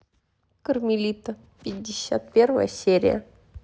кармелита пятьдесят первая серия